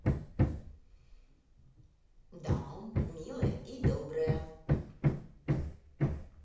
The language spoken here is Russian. да милая и добрая